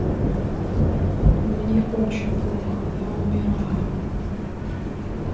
мне очень плохо я умираю